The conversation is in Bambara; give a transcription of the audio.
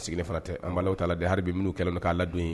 Sigilen fana tɛ an bɛ Alahu taala deli hali bi minnu kɛlen do ka